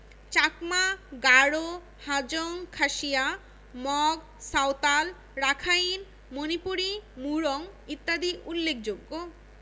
চাকমা গারো হাজং খাসিয়া মগ সাঁওতাল রাখাইন মণিপুরী মুরং ইত্যাদি উল্লেখযোগ্য